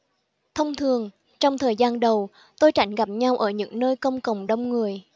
thông thường trong thời gian đầu tôi tránh gặp nhau ở những nơi công cộng đông người